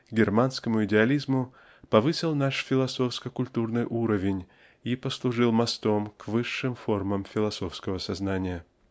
к германскому идеализму повысил наш философско-культурный уровень и послужил мостом к высшим формам философского сознания.